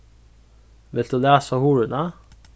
vilt tú læsa hurðina